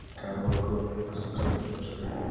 karvon ko'p rizqi boshqa